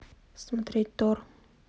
смотреть тор